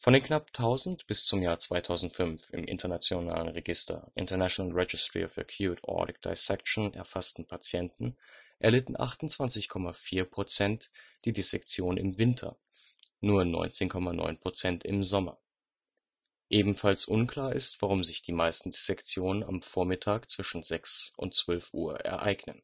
knapp 1000 bis zum Jahr 2005 im internationalen Register International Registry of Acute Aortic Dissection (IRAD) erfassten Patienten erlitten 28,4 % die Dissektion im Winter, nur 19,9 % im Sommer. Ebenfalls unklar ist, warum sich die meisten Dissektionen am Vormittag zwischen 6:00 und 12:00 Uhr ereignen